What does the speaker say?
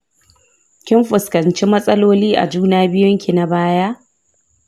kin fuskanci matsaloli a juna biyun ki na baya